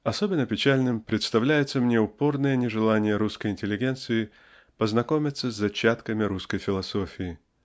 Особенно печальным представляется мне упорное нежелание русской интеллигенции познакомиться с зачатками русской философии.